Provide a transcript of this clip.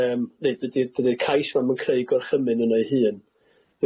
yym ne' dydi dydi'r cais 'ma'n 'm yn creu gorchymyn yn ei hun